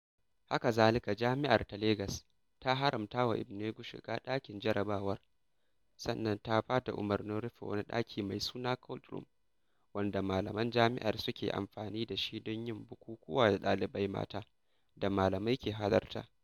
Haka zalika, Jami'ar ta Legas ta haramtawa Igbeneghu shiga cikin harabar Jami'ar da kuma ba da umarnin rufe wani ɗaki mai suna "cold room" wanda malaman jami'ar suke amfani da shi don yin bukukuwa da ɗalibai mata da malamai ke halarta.